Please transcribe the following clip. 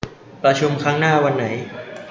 ประชุมครั้งหน้าวันไหน